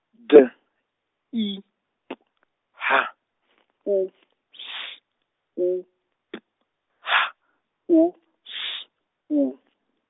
D, I, P, H, O, S, O, P, H, O, S, O.